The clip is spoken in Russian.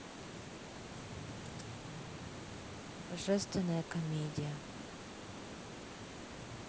божественная комедия